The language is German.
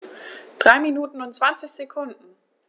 3 Minuten und 20 Sekunden